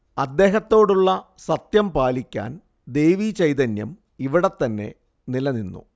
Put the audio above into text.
അദ്ദേഹത്തോടുള്ള സത്യം പാലിക്കാൻ ദേവിചൈതന്യം ഇവിടെത്തന്നെ നിലനിന്നു